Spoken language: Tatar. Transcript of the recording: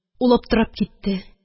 Ул аптырап китте